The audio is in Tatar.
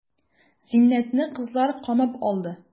Зиннәтне кызлар камап алды.